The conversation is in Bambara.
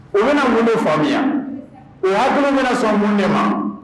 U bɛna mun don faamuya u hakili bɛna sɔn mun de ma